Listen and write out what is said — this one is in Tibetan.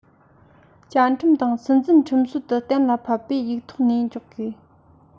བཅའ ཁྲིམས དང སྲིད འཛིན ཁྲིམས སྲོལ དུ གཏན ལ ཕབ པས ཡིག ཐོག ནས འཇོག དགོས